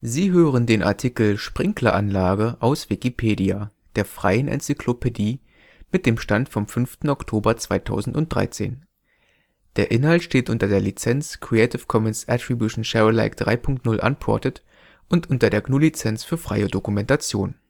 Sie hören den Artikel Sprinkleranlage, aus Wikipedia, der freien Enzyklopädie. Mit dem Stand vom Der Inhalt steht unter der Lizenz Creative Commons Attribution Share Alike 3 Punkt 0 Unported und unter der GNU Lizenz für freie Dokumentation